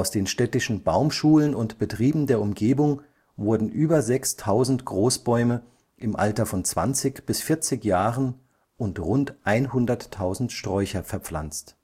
den städtischen Baumschulen und Betrieben der Umgebung wurden über 6000 Großbäume im Alter von 20 bis 40 Jahren und rund 100.000 Sträucher verpflanzt